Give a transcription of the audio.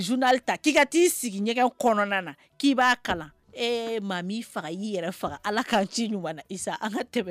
Ta k'i ka taa'i sigigɛn kɔnɔna na k'i ba kalan maa faga y'i yɛrɛ faga ala ka ci ɲɔgɔn na an tɛmɛ